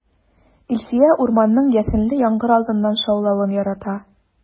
Илсөя урманның яшенле яңгыр алдыннан шаулавын ярата.